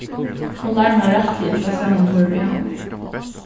hon larmar rættiliga illa samanborið við hann